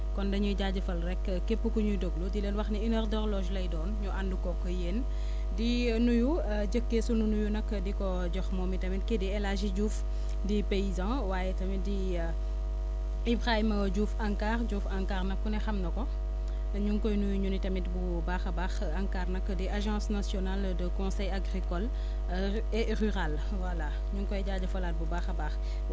kon dañuy jaajëfal rek képp ku ñuy déglu di leen wax ni une heure d' horloge lay doon ñu ànd koog yéen di nuyu njëkkee suñu nuyu nag di ko jox moom itamit kii di El Hadji Diouf di paysan waaye tamit di Ibrahima Diouf ANCAR Diouf ANCAR nag ku ne xam na ko ñu ngi koy nuyu ñun itamit bu baax a baax ANCAR nag di agence nationale de conseil agricole et rural voilà ñu ngi koy jaajëfalaat bu baax a baax